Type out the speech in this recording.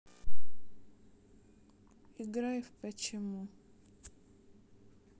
играй в почему